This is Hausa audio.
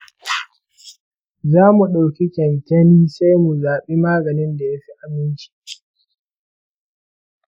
zamu ɗauki ƙyanƙyani sai mu zaɓi maganin da yafi aminci.